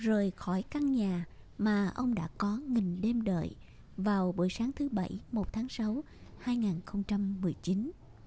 rời khỏi căn nhà mà ông đã có nghìn đêm đợi vào buổi sáng thứ bảy một tháng sáu hai ngàn không trăm mười chín